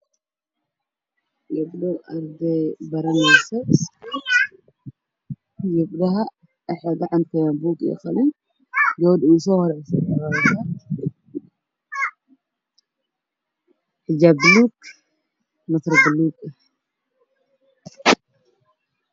Gabdho baranayo iskuul gabdhaha waxay wataan qalimaan gabadha ugu soo horreyso waxay wadataa xijaab ah iyo shuko baruug